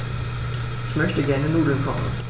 Ich möchte gerne Nudeln kochen.